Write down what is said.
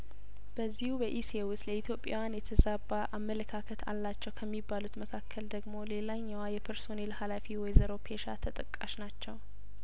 በዚሁ በኢሲኤ ውስጥ ለኢትዮጵያውያን የተዛባ አመለካከት አላቸው ከሚባሉት መካከል ደግሞ ሌላኛዋ የፐርሶኔል ሀላፊ ወይዘሮ ፔሻ ተጠቃሽ ናቸው